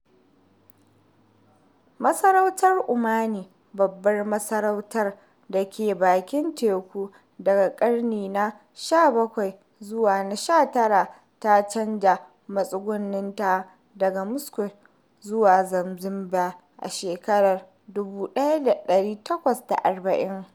Masarautar Omani "babbar masarautar da ke bakin teku daga ƙarni na 17 zuwa na 19" ta canja matsuguninta daga Muscat zuwa Zanzibar a shekarar 1840.